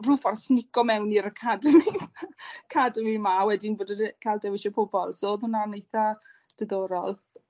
rhw ffordd sneeco mewn i'r academi cademi 'ma a wedyn bod e de- ca'l dewis y pobol so odd hwnna'n eitha diddorol.